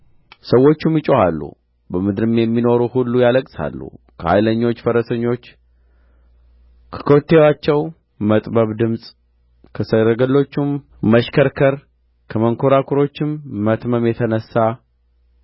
ሰዎቹም ይጮኻሉ በምድርም የሚሮሩ ሁሉ ያለቅሳሉ ከኃይለኞች ፈረሶች ከኮቴያቸው መጠብጠብ ድምፅ ከሰረገሎቹም መሸከርከር ከመንኰራኵሮቹም መትመም የተነሣ